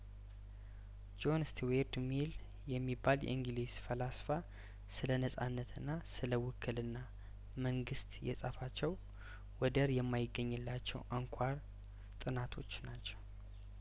ጆን ስት ዌር ድ ሚል የሚባለው የእንግሊዝ ፈላስፋ ስለነጻነትና ስለየውክልና መንግስት የጻፋቸው ወደ ር የማይገኝላቸው አን ኳር ጥናቶች ናቸው